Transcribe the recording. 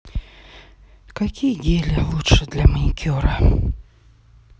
какие гели лучше для маникюра